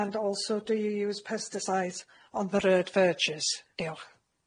And also, do you use pesticides on the road verges? Diolch.